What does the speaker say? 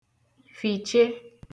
fìche